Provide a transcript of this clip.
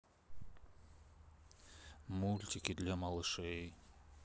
мультики для малышей